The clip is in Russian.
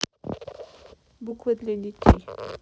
буквы для детей